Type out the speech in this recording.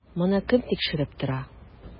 Моны кем тикшереп тора?